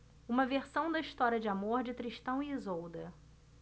uma versão da história de amor de tristão e isolda